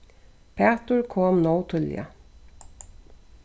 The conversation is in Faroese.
pætur kom nóg tíðliga